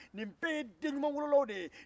nin bɛɛ ye denɲuman wololaw de ye